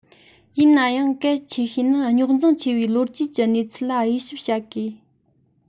ཡིན ནའང གལ ཆེ ཤོས ནི རྙོག འཛིང ཆེ བའི ལོ རྒྱུས ཀྱི གནས ཚུལ ལ དབྱེ ཞིབ བྱ དགོས